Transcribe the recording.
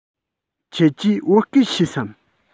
ཁྱེད ཀྱིས བོད སྐད ཤེས སམ